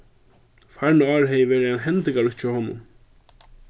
farna árið hevði verið hendingaríkt hjá honum